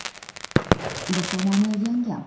bir tomoni yangam